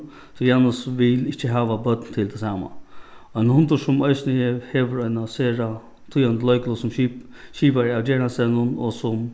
tí janus vil ikki hava børn til tað sama ein hundur sum eisini hevur eina sera týðandi leiklut sum skipari av gerandisdegnum og sum